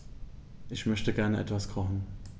Ich möchte gerne etwas kochen.